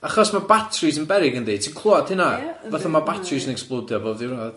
Achos ma' batris yn beryg yndi, ti'n clywad hynna... Ia, yndi. ...fatha ma' batris yn ecsblowdio bob diwrnod.